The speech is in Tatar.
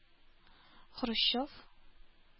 Хрущев